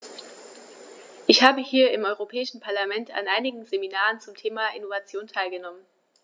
Ich habe hier im Europäischen Parlament an einigen Seminaren zum Thema "Innovation" teilgenommen.